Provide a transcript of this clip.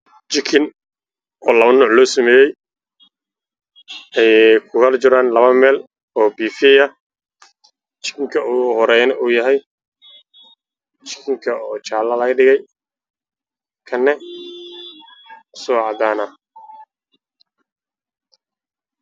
Waa jikin labo nooc ah oo midabkoodu yahay jaalo cadaan ah